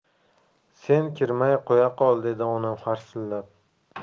sen kirmay qo'ya qol dedi onam harsillab